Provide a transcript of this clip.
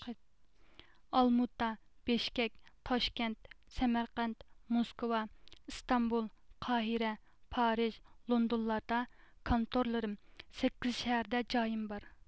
ئالمۇتا بېشكەك تاشكەنت سەمەرقەنت موسكۋا ئىستانبۇل قاھىرە پارىژ لوندونلاردا كانتورلىرىم سەككىز شەھەردە جايىم بار